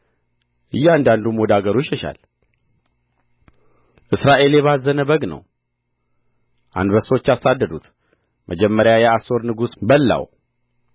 እያንዳንዱም ወደ አገሩ ይሸሻል እስራኤል የባዘነ በግ ነው አንበሶች አሳደዱት መጀመሪያ የአሦር ንጉሥ በላው